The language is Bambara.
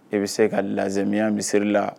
I bɛ se ka lazemiya misiri la